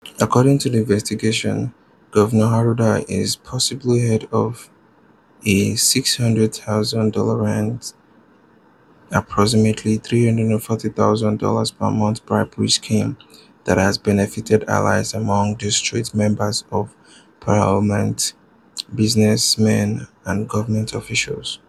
According to the investigation, Governor Arruda is the possible head of a R$ 600,000 (approximately $340,000) per month bribery scheme that has benefited allies among district members of parliament, businessmen and government officials.